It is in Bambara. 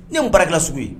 Ne ye n barikala sugu ye